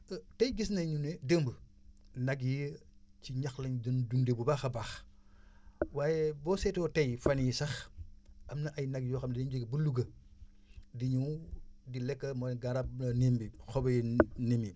tey gis nañu ne démb nag yi si ñax mi la ñu doon dundee bu baax a baax waaye boo seetloo tey fan yii sax am na ay nag yoo xam ne dañoo jógee ba Louga di ñëw di lekk mooy garabu niim bi xobu niim yi